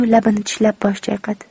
labini tishlab bosh chayqadi